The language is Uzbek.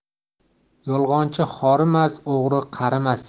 yolg'onchi horimas o'g'ri qarimas